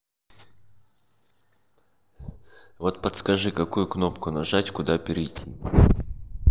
вот подскажи какую кнопку нажать куда перейти